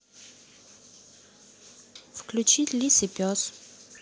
включить лис и пес